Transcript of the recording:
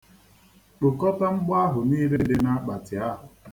Kpokọta mgbọ ahụ niile dị n'akpati ahụ.